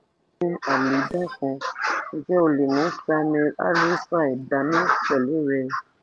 Bin Ali dákun ǹjẹ́ o lè mú samir alrifai dání pẹ̀lú rẹ?